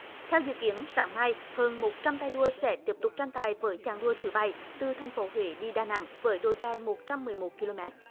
theo dự kiến sáng nay hơn một trăm tay đua sẽ tiếp tục tranh tài với chặng đua thứ bảy từ thành phố huế đi đà nẵng với độ dài một trăm mười một ki lô mét